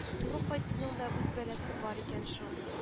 Туры кайтуның да үз бәласе бар икән шул